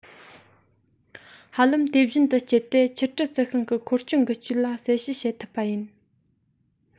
ཧ ལམ དེ བཞིན དུ སྤྱད དེ འཁྱུད དཀྲི རྩི ཤིང གི འཁོར སྐྱོད འགུལ སྐྱོད ལ གསལ བཤད བྱེད ཐུབ པ ཡིན